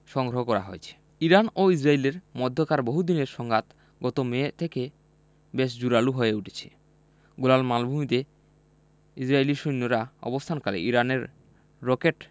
সংগ্রহ করা হয়েছে ইরান ও ইসরায়েলের মধ্যকার বহুদিনের সংঘাত গত মে থেকে বেশ জোরালো হয়ে উঠেছে গোলান মালভূমিতে ইসরায়েলি সেনারা অবস্থানকালে ইরানের রকেট